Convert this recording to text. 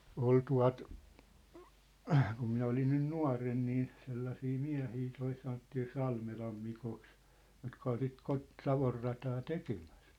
oli tuota kun minä olin nyt nuorena niin sellaisia miehiä tuo sanottiin Salmelan Mikoksi jotka oli sitä - Savonrataa tekemässä